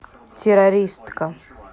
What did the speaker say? террористка